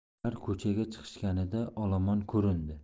ular ko'chaga chiqishganida olomon ko'rindi